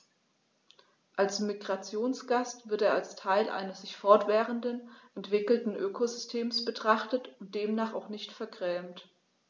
Als Migrationsgast wird er als Teil eines sich fortwährend entwickelnden Ökosystems betrachtet und demnach auch nicht vergrämt.